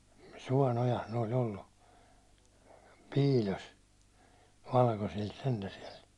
suon ojassa ne oli ollut piilossa valkoisilta sentään siellä